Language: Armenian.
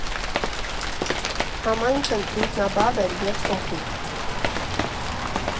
Համայնքն ինքնաբավ էր և փոքրիկ։